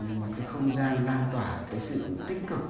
một cái không gian lan tỏa cái sự tích cực